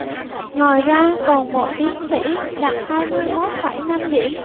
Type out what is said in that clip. ngoài ra còn một tiến sĩ đạt hai mươi mốt phẩy năm điểm